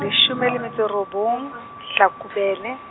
leshome le metso e robong, Hlakubele.